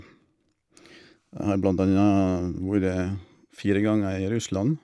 Jeg har blant anna vore fire ganger i Russland.